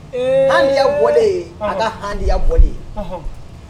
Haya bɔlen a ka haya bɔlen ye